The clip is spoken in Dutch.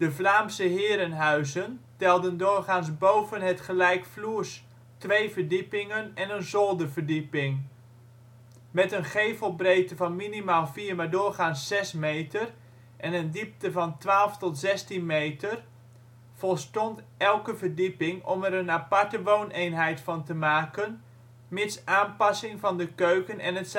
Vlaamse herenhuizen telden doorgaans boven het gelijkvloers twee verdiepingen en een zolderverdieping. Met een gevelbreedte van minimaal vier maar doorgaans zes meter en een diepte van twaalf tot zestien meter volstond elke verdieping om er een aparte wooneenheid van te maken, mits aanpassing van de keuken en het